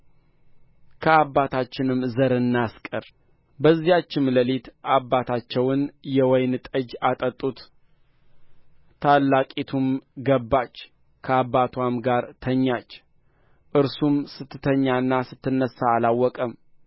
ከአባታችንም ዘር እናስቀር በዚያችም ሌሊት አባታቸውን የወይን ጠጅ አጠጡት ታላቂቱም ገባች ከአባትዋም ጋር ተኛች እርሱም ስትተኛና ስትነሣ አላወቀም